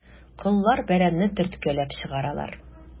Коллар бәрәнне төрткәләп чыгаралар.